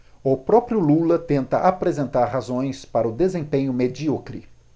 o próprio lula tenta apresentar razões para o desempenho medíocre